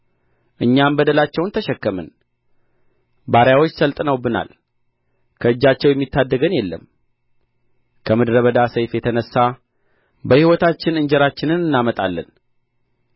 እኛም በደላቸውን ተሸከምን ባሪያዎች ሠልጥነውብናል ከእጃቸው የሚታደገን የለም ከምድረ በዳ ሰይፍ የተነሣ በሕይወታችን እንጀራችንን እናመጣለን